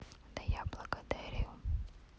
да я благодарю